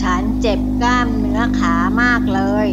ฉันเจ็บกล้ามเนื้อขามากเลย